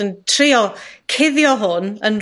yn trio cuddio hwn yn...